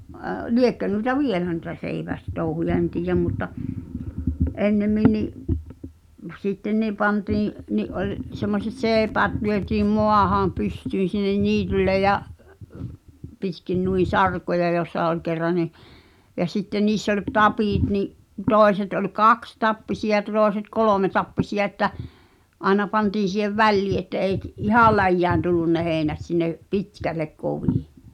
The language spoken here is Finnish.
liekö noita vielä noita seivästouhuja en tiedä mutta ennemmin niin sitten niin pantiin niin oli semmoiset seipäät lyötiin maahan pystyyn sinne niitylle ja pitkin noin sarkoja jossa oli kerran niin ja sitten niissä oli tapit niin toiset oli kaksitappisia toiset kolmetappisia että aina pantiin siihen väliin että ei ihan läjään tullut ne heinät sinne pitkälle kovin